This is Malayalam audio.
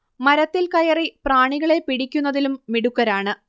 മരത്തിൽ കയറി പ്രാണികളെ പിടിയ്ക്കുന്നതിലും മിടുക്കരാണ്